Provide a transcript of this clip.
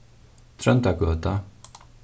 tróndargøta